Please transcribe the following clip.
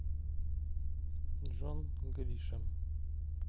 джон гришэм